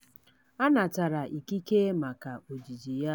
A natara ikike maka ojiji ya.